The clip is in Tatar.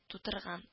Тутырган